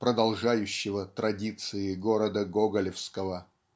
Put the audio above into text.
продолжающего традиции города гоголевского.